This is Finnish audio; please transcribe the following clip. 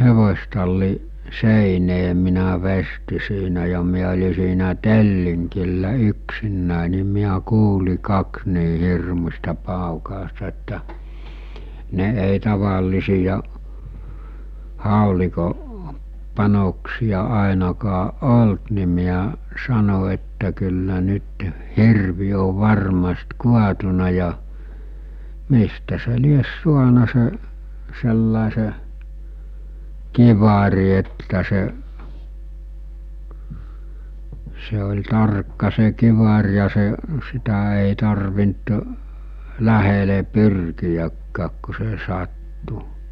hevostallin seinää minä veistin siinä ja minä oli siinä tellingillä yksinäni niin minä kuulin kaksi niin hirmuista paukausta että ne ei tavallisia haulikon panoksia ainakaan ollut niin minä sanoin että kyllä nyt hirvi on varmasti kaatunut ja mistä se lie saanut se sellaisen kiväärin että se se oli tarkka se kivääri ja se sitä ei tarvinnut lähelle pyrkiäkään kun se sattui